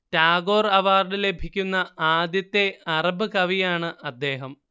Tagore award ലഭിക്കുന്ന ആദ്യത്തെ Arab കവിയാണ് അദ്ദേഹം